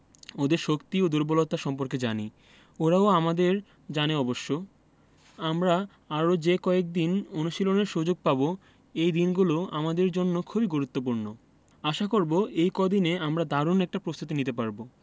ওদের শক্তি ও দুর্বলতা সম্পর্কে জানি ওরাও আমাদের জানে অবশ্য আমরা আরও যে কদিন অনুশীলনের সুযোগ পাব এই দিনগুলো আমাদের জন্য খুবই গুরুত্বপূর্ণ আশা করব এই কদিনে আমরা দারুণ একটা প্রস্তুতি নিতে পারব